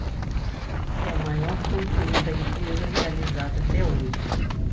é a maior campanha da empresa realizada até hoje